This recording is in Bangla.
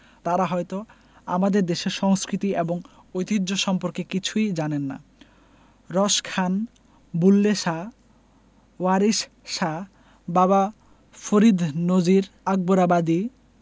তাঁরা হয়তো আমাদের দেশের সংস্কৃতি এবং ঐতিহ্য সম্পর্কে কিছুই জানেন না রস খান বুল্লে শাহ ওয়ারিশ শাহ বাবা ফরিদ নজির আকবরাবাদি